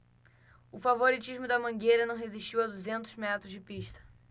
o favoritismo da mangueira não resistiu a duzentos metros de pista